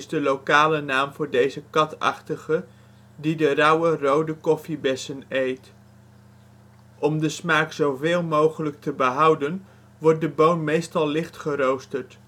de lokale naam voor deze katachtige die de rauwe rode koffiebessen eet. Om de smaak zoveel mogelijk te behouden wordt de boon meestal licht geroosterd